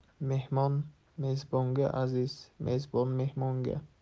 mehmon mezbonga aziz mezbon mehmonga